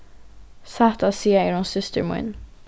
satt at siga er hon systir mín